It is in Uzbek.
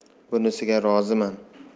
bunisiga roziman